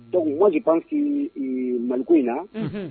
Dɔnku wa de ban si maliku in na